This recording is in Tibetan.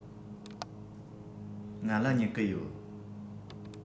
ང ལ སྨྱུ གུ ཡོད